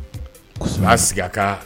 Sigi a kan